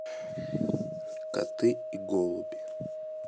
коты и голуби